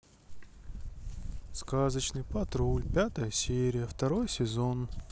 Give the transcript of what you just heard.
сказочный патруль пятая серия второй сезон